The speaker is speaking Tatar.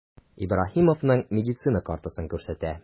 Ибраһимовның медицина картасын күрсәтә.